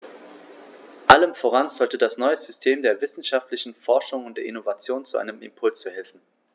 Allem voran sollte das neue System der wissenschaftlichen Forschung und der Innovation zu einem Impuls verhelfen.